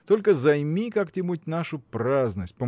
только займи как-нибудь нашу праздность